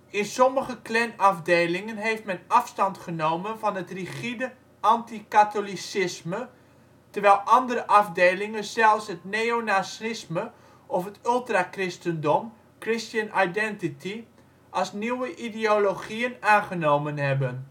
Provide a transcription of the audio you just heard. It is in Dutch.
In sommige Klanafdelingen heeft men afstand genomen van het rigide anti-katholicisme, terwijl andere afdelingen zelfs het neonazisme of het ultra-christendom (' Christian Identity ') als nieuwe ideologieën aangenomen hebben